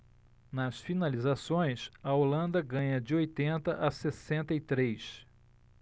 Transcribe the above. nas finalizações a holanda ganha de oitenta a sessenta e três